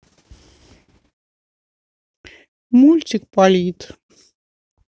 мультик полит